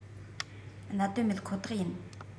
གནད དོན མེད ཁོ ཐག ཡིན